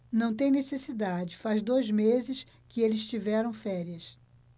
não tem necessidade faz dois meses que eles tiveram férias